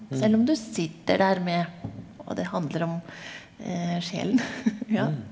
selv om du sitter der med og det handler om sjelen ja.